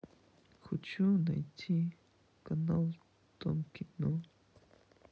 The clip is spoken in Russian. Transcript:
хочу найти канал дом кино